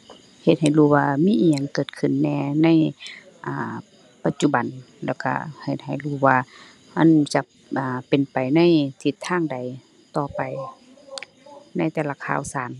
เฮ็ดให้รู้ว่ามีอิหยังเกิดขึ้นแหน่ใน อ่า ปัจจุบันแล้วก็เฮ็ดให้รู้ว่ามันจะ อ่า เป็นไปในทิศทางใดต่อไปในแต่ละข่าวสาร